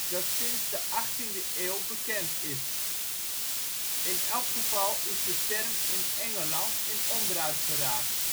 dat sinds de achttiende eeuw bekend is. In elk geval is de term in Engeland in onbruik geraakt